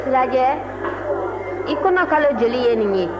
sirajɛ i kɔnɔ kalo joli ye nin ye